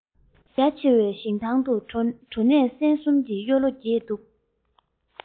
རྒྱ ཆེ བའི ཞིང ཐང དུ གྲོ ནས སྲན གསུམ གྱི གཡུ ལོ རྒྱས ནས འདུག